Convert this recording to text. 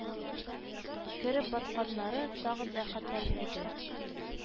Кереп батканнары, тагын да хәтәрреге